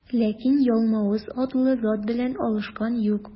Ләкин Ялмавыз атлы зат белән алышкан юк.